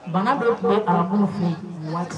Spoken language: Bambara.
Bagan bɛ tun ye arabu fɛ yen